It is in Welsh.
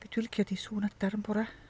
Be dwi'n licio ydy sŵn adar yn bore.